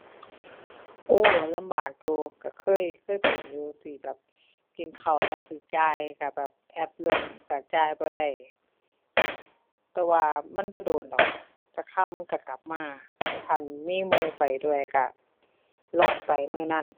โอ้ ลำบากอยู่ก็เคย เคยเป็นอยู่ สิแบบ กินข้าวแล้วสิจ่ายก็แบบแอปล่ม ก็จ่ายบ่ได้ แต่ว่ามันบ่โดนดอก จักคราวมันก็กลับมา คันมีหมู่ไปด้วยก็รอดไปมื้อนั้น